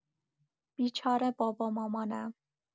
بیچاره بابا مامانم!